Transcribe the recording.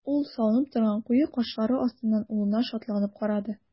Ул салынып торган куе кашлары астыннан улына шатланып карады.